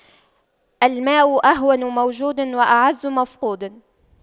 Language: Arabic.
الماء أهون موجود وأعز مفقود